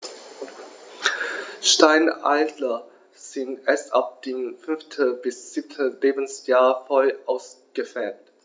Steinadler sind erst ab dem 5. bis 7. Lebensjahr voll ausgefärbt.